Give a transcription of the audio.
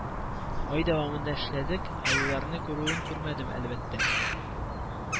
Ай дәвамында эшләдек, аюларны күрүен күрмәдем, әлбәттә